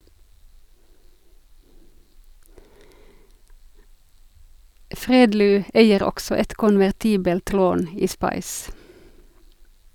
Fredly eier også et konvertibelt lån i SPICE.